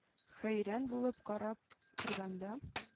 Хәйран булып карап торганда,